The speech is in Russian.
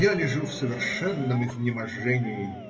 Я лежу в совершенном изнеможении.